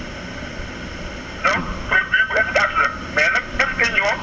donc produit bi bu efficace la mais nag est ce que ñoom